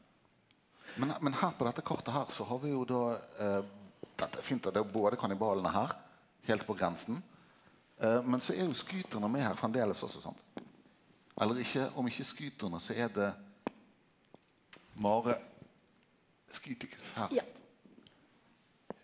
men men her på dette kartet her så har vi jo då dette er fint då det er både kannibalane her heilt på grensa men så er jo skytarane med her framleis også sant eller ikkje om ikkje skytarane så er det her sant.